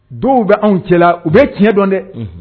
Dɔw bɛ anw cɛ la u bɛ tiɲɛ dɔn dɛ